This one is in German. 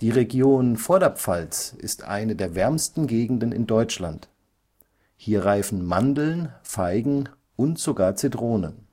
Region Vorderpfalz ist eine der wärmsten Gegenden in Deutschland; hier reifen Mandeln, Feigen und sogar Zitronen